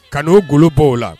Ka no golo bɔ o la